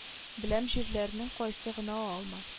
Беләм җирләрнең кайсын гына алма